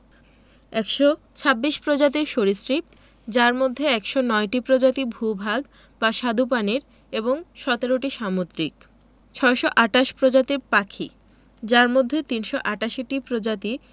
১২৬ প্রজাতির সরীসৃপ যার মধ্যে ১০৯টি প্রজাতি ভূ ভাগ বা স্বাদুপানির এবং ১৭টি সামুদ্রিক ৬২৮ প্রজাতির পাখি যার মধ্যে ৩৮৮টি প্রজাতি